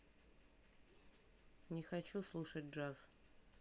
не хочу слушать джаз